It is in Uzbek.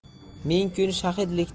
ming kun shahidlikdan